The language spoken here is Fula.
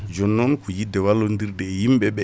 jonnon ko yidde wallodirde e yimɓeɓe